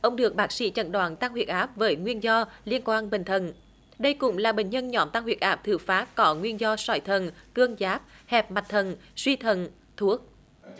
ông được bác sĩ chẩn đoán tăng huyết áp bởi nguyên do liên quan bệnh thận đây cũng là bệnh nhân nhóm tăng huyết áp thứ phát có nguyên do sỏi thận cường giáp hẹp mạch thận suy thận thuốc